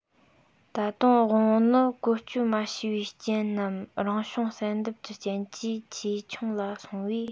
ད དུང དབང པོ ནི བཀོལ སྤྱོད མ བྱས པའི རྐྱེན ནམ རང བྱུང བསལ འདེམས ཀྱི རྐྱེན གྱིས ཇེ ཆུང ལ སོང བས